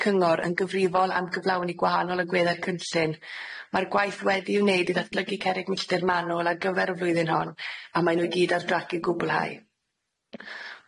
cyngor yn gyfrifol am gyflawni gwahanol agwedde o'r cynllun ma'r gwaith wedi'i wneud i ddatblygu cerrig milltir manwl ar gyfer y flwyddyn hon a mae nw i gyd ar drac i gwbwlhau.